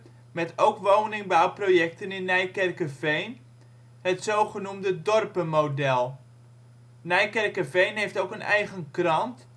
woningbouwprojecten in Nijkerkerveen, het zogenoemde dorpenmodel. Nijkerkerveen heeft ook een eigen krant